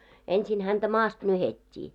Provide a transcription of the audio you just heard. ensin häntä maasta nyhdettiin